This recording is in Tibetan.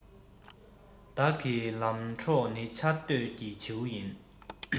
བདག གི ལམ གྲོགས ནི ཆར སྡོད ཀྱི བྱེའུ ཡིན